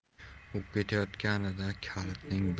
u ketayotganida kalitning